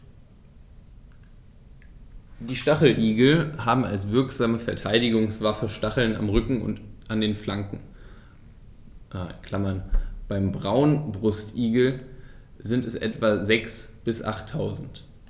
Die Stacheligel haben als wirksame Verteidigungswaffe Stacheln am Rücken und an den Flanken (beim Braunbrustigel sind es etwa sechs- bis achttausend).